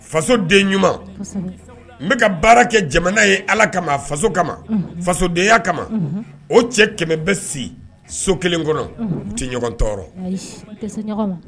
Faso den ɲuman n bɛka ka baara kɛ jamana ye Ala kama faso kama fasodenya kama o cɛ 100 bɛ si so 1 kɔnɔ u tɛ ɲɔgɔn tɔɔrɔ .